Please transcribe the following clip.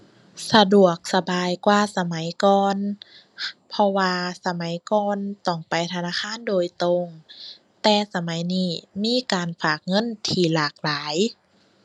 สะดวกสบายกว่าสมัยก่อน เพราะว่าสมัยก่อนต้องไปธนาคารโดยตรง แต่สมัยนี้มีการฝากเงินที่หลากหลาย